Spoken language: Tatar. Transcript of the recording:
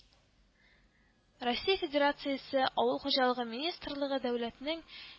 Россия Федерациясе Авыл хуҗалыгы министрлыгы дәүләтнең